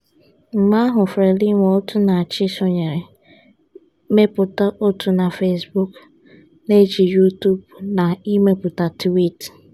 Mgbe ahụ Frelimo otú na-achị sonyeere, mepụta otú na Facebook, na-eji Youtube, na ịmepụta twiit.